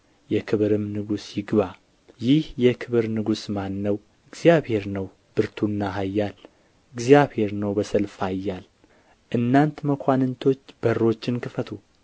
የክብርም ንጉሥ ይግባ ይህ የክብር ንጉሥ ማን ነው እግዚአብሔር ነው ብርቱና ኃያል እግዚአብሔር ነው በሰልፍ ኃያል እናንተ መኳንንቶች በሮችን ክፈቱ